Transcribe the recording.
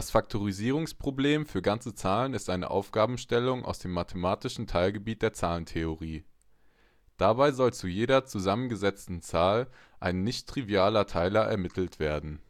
Faktorisierungsproblem für ganze Zahlen ist eine Aufgabenstellung aus dem mathematischen Teilgebiet der Zahlentheorie. Dabei soll zu einer zusammengesetzten Zahl ein nichttrivialer Teiler ermittelt werden